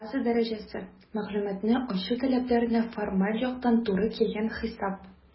«база дәрәҗәсе» - мәгълүматны ачу таләпләренә формаль яктан туры килгән хисап.